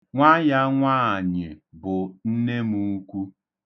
Nwa ya nwaanyị bụ nne m ukwu.